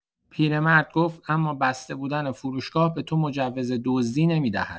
پیرمرد گفت: «اما بسته‌بودن فروشگاه به تو مجوز دزدی نمی‌دهد.»